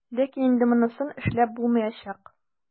Ләкин инде монысын эшләп булмаячак.